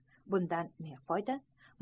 bundan ne foyda